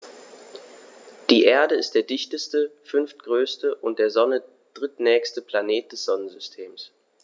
Die Erde ist der dichteste, fünftgrößte und der Sonne drittnächste Planet des Sonnensystems.